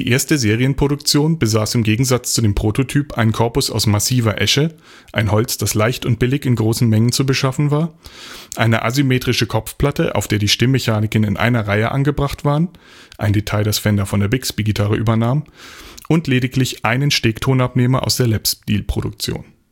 erste Serienproduktion besaß im Gegensatz zu dem Prototyp einen Korpus aus massiver Esche (ein Holz, das leicht und billig in großen Mengen zu beschaffen war), eine asymmetrische Kopfplatte auf der die Stimmmechaniken in einer Reihe angebracht waren (ein Detail, das Fender von der Bigsby-Gitarre übernahm) und lediglich einen Stegtonabnehmer aus der Lapsteelproduktion